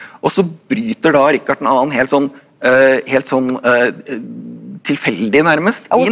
og så bryter da Rikard den annen helt sånn helt sånn tilfeldig nærmest inn.